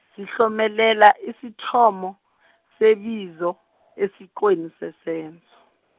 sihlomelela isithomo, sebizo, esiqweni sesenzo.